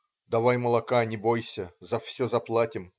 "Давай молока, не бойся, за все заплатим".